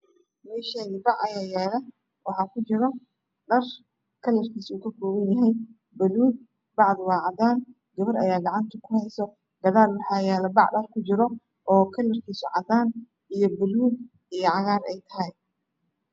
Meeshaan bac ayaa taalo waxaa kujira dhar kalarkiisu ka kooban yahay buluug bacdu waa cadaan gabar ayaa gacanta ku hayso. Gadaal waxaa yaalo bac dhar ku jira oo kalarkiisu cadaan, buluug iyo cagaar ay tahay.